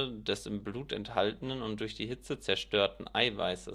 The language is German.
des im Blut enthaltenen und durch die Hitze zerstörten Eiweißes